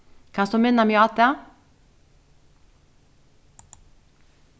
kanst tú minna meg á tað